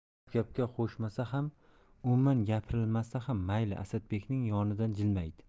gap gapga qovushmasa ham umuman gapirilmasa ham mayli asadbekning yonidan jilmaydi